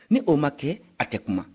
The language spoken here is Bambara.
ni o ma kɛ a tɛ kuma